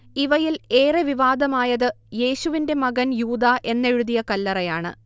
ഇവയിൽഏറെ വിവാദമായത് യേശുവിന്റെ മകൻ യൂദാ എന്നെഴുതിയ കല്ലറയാണ്